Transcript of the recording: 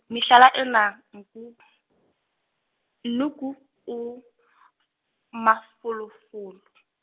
mehlala ena, nku , Nnuku o , mafolofolo .